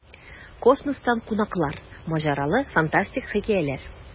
Космостан кунаклар: маҗаралы, фантастик хикәяләр.